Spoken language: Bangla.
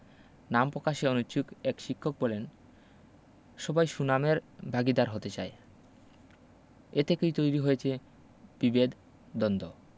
নাম পকাশে অনিচ্ছুক এক শিক্ষক বললেন সবাই সুনামের ভাগীদার হতে চায় এ থেকেই তৈরি হয়েছে বিবেদ দ্বন্দ্ব